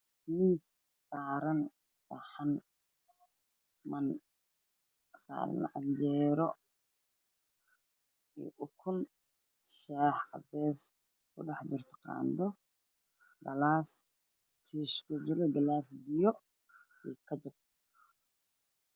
Miss sahran saxan saxanka waxaa ku jira canjeero iyo ukun waxaana ag yaalo maraq iyo koofshax ku jiro